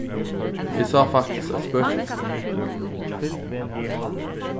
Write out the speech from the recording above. eg sá faktiskt eitt spøkilsi